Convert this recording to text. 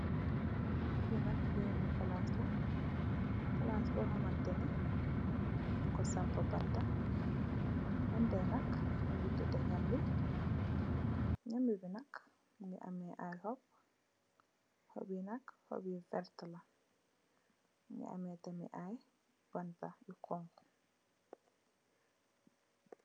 Fii nak beenë palaas la, palaas boo xamante ne, ñung fa sampa bantë. Banta yi nak, ñu ngi tëddë...amee ay xob, xob yi nak, xobi werta la, mu ni amee tam, bantë yu xoñxu